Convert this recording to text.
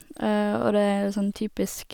Og det er sånn typisk...